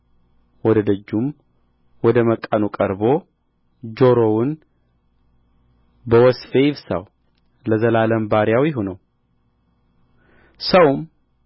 ወደ ደጁም ወደ መቃኑ አቅርቦ ጆሮውን በወስፌ ይብሳው ለዘላለምም ባሪያው ይሁን ሰውም